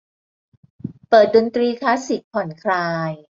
เปิดดนตรีคลาสสิคผ่อนคลาย